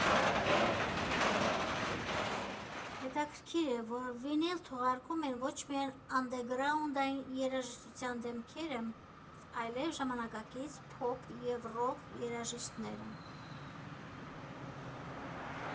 Հետաքրքիր է, որ վինիլ թողարկում են ոչ միայն անդերգրաունդային երաժշտության դեմքերը, այլև ժամանակակից փոփ և ռոք երաժիշտները։